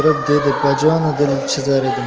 pasaytirib dedi bajonidil chizar edim